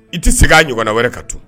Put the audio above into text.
I tɛ se k' ɲɔgɔnna wɛrɛ ka tun